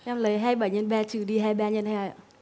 em lấy hai bảy nhân ba trừ đi hai ba nhân hai ạ